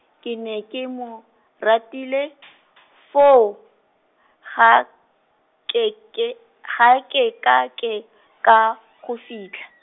ke ne ke mo, ratile , foo, ga ke ke, ga ke ka ke, ka, go fitlha.